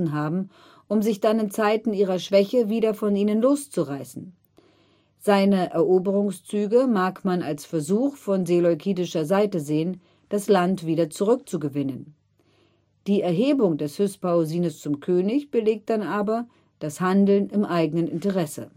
haben, um sich dann in Zeiten ihrer Schwäche wieder von ihnen loszureißen. Seine Eroberungszüge mag man als Versuch von seleukidischer Seite sehen, das Land wieder zurückzugewinnen. Die Erhebung des Hyspaosines zum König belegt dann aber, das Handeln im eigenen Interesse